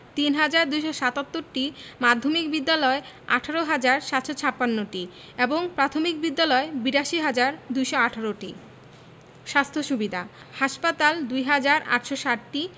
৩হাজার ২৭৭টি মাধ্যমিক বিদ্যালয় ১৮হাজার ৭৫৬টি এবং প্রাথমিক বিদ্যালয় ৮২হাজার ২১৮টি স্বাস্থ্য সুবিধাঃ হাসপাতাল ২হাজার ৮৬০টি